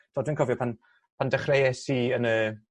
D'od dwi'n cofio pan pan dechreues i yn y